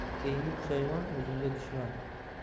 keyingi pushaymon o'zingga dushman